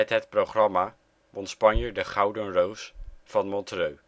het programma won Spanjer de Gouden Roos van Montreux